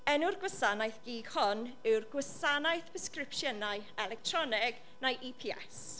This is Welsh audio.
Enw'r gwasanaeth GIG hon yw'r Gwasanaeth Presgripsiynau Electronig neu EPS.